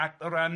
ac o ran